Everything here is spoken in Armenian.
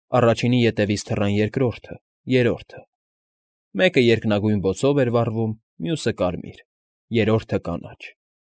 Առաջինի ետևից թռան երկրորդը, երրորդը. մեկը երկնագույն բոցով էր վառվում, մյուսը՝ կարմիր, երրորդը՝ կանաչ։